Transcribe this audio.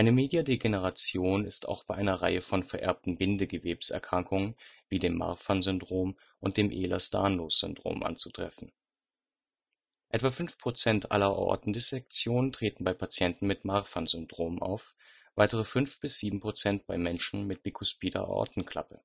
Mediadegeneration ist auch bei einer Reihe von vererbten Bindegewebserkrankungen wie dem Marfan-Syndrom und dem Ehlers-Danlos-Syndrom anzutreffen. Etwa fünf Prozent aller Aortendissektionen treten bei Patienten mit Marfan-Syndrom auf, weitere fünf bis sieben Prozent bei Menschen mit bikuspider Aortenklappe